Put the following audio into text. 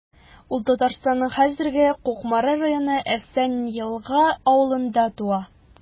Ул Татарстанның хәзерге Кукмара районы Әсән Елга авылында туа.